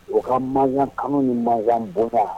O ka manwan kanu ni mawanbon